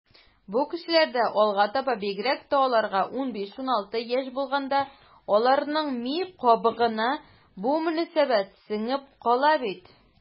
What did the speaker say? Бу кешеләрдә алга таба, бигрәк тә аларга 15-16 яшь булганда, аларның ми кабыгына бу мөнәсәбәт сеңеп кала бит.